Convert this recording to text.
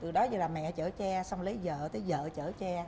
từ đó giờ là mẹ chở che xong lấy vợ tới vợ chở che